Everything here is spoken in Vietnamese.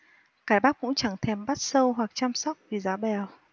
cải bắp cũng chẳng thèm bắt sâu hoặc chăm sóc vì giá bèo